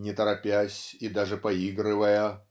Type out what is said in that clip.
не торопясь и даже поигрывая